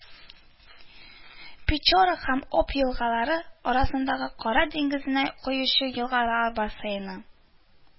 Печора һәм Об елгалары арасындагы, Кара диңгезенә коючы, елгалар бассейны